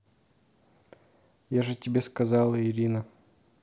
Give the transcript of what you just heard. я же тебе сказала ирина